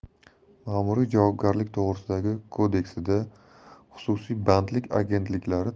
ma'muriy javobgarlik to'g'risidagi kodeksida xususiy bandlik agentliklari